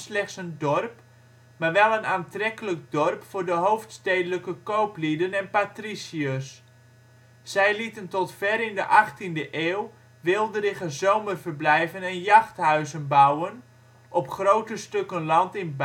dorp, maar wel een aantrekkelijk dorp voor de hoofdstedelijke kooplieden en patriciërs. Zij lieten tot ver in de achttiende eeuw weelderige zomerverblijven en jachthuizen bouwen op grote stukken land in